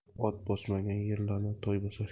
ot bosmagan yerlarni toy bosar